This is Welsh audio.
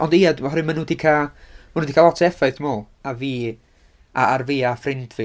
Ond ia, dwi meddwl oherwydd maen nhw 'di cael maen nhw 'di cael lot o effaith, dwi meddwl, ar fi... ar fi a ffrind fi.